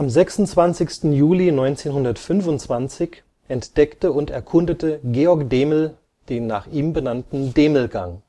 26. Juli 1925 entdeckte und erkundete Georg Deml den nach ihm benannten Demlgang